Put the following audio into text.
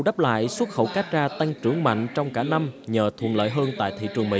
đắp lại xuất khẩu cá tra tăng trưởng mạnh trong cả năm nhờ thuận lợi hơn tại thị trường mỹ